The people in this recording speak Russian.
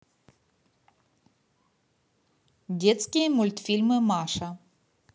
детские мультфильмы маша